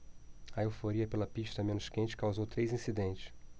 a euforia pela pista menos quente causou três incidentes